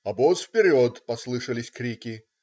Обоз вперед!" - послышались крики.